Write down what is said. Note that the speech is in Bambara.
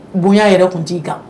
Bonya yɛrɛ tun t'i kan